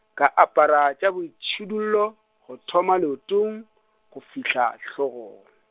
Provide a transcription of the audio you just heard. ka apara tša boitšhidullo go thoma leotong, go fihla hlogong.